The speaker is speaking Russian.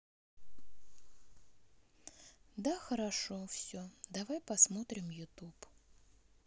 да хорошо все давай посмотрим ютуб